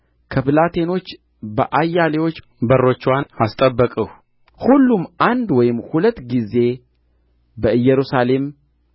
ከብላቴኖቼ በአያሌዎቹ በሮችዋን አስጠበቅሁ ሁሉም አንድ ወይም ሁለት ጊዜ በኢየሩሳሌም